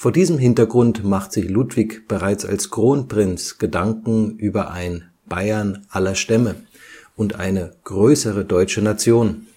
diesem Hintergrund macht sich Ludwig bereits als Kronprinz Gedanken über ein „ Baiern aller Stämme “und eine „ größere deutsche Nation